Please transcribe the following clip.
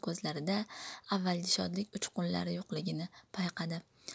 ko'zlarida avvalgi shodlik uchqunlari yo'qligini payqadi